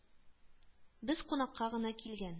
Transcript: Без кунакка гына килгән